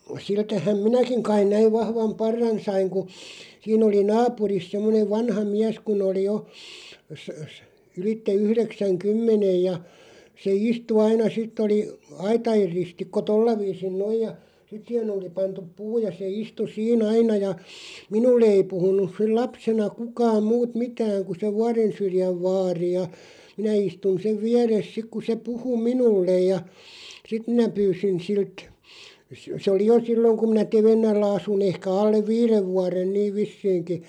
siltähän minäkin kai näin vahvan parran sain kun siinä oli naapurissa semmoinen vanha mies kun oli jo -- ylitse yhdeksänkymmenen ja se istui aina sitten oli aitojen ristikko tuolla viisin noin ja sitten siihen oli pantu puu ja se istui siinä aina ja minulle ei puhunut silloin lapsena kukaan muut mitään kuin se Vuorensyrjän vaari ja minä istuin sen vieressä sitten kun se puhui minulle ja sitten minä pyysin siltä - se oli jo silloin kun minä Tevennällä asuin ehkä alle viiden vuoden niin vissiinkin